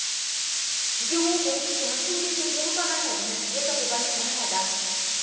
구경 오 공기총은 총기소지 허가만 받으면 집에서 보관이 가능하다